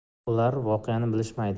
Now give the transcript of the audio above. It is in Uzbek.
ular vokeani bilishmaydi